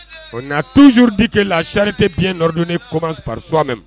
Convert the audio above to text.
On a toujours dit que la charité bien ordonnée commence par soi même